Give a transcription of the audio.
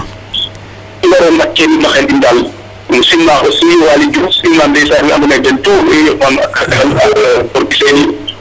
i mbaro nqaƴ teen a xel in daal i simna aussi Waly Diouf simna Ndeysan we andoona yee den tout,